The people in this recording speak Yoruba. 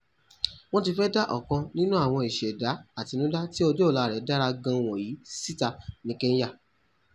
Wọ́n ti fẹ́ da ọkan nínú àwọn ìṣẹ̀dá àtinúdá tí ọjọ́ ọ̀la rẹ̀ dára gan wọ̀nyìí síta ní Kenya.